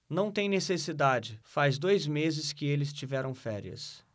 não tem necessidade faz dois meses que eles tiveram férias